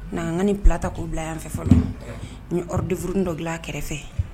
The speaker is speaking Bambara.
Nka an ka ni bilata, k'u bila y'an fɛ fɔlɔ n ye hors d'œuvre ni dɔ bila a kɛrɛfɛ